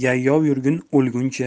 yayov yurgin o'lguncha